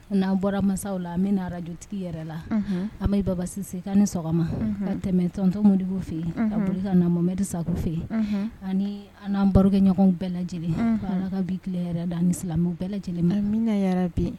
N'an bɔra masaw la bɛraj yɛrɛ la an mayi bababase' ni sɔgɔma ka tɛmɛtɔnontɔmodi fɛ yen ka boli ka na momɛri sa fɛ yen ani an'an barokɛɲɔgɔnw bɛɛ lajɛlen ala kabi tilen yɛrɛ da ni silamɛ bɛɛ lajɛlen yɛrɛ bi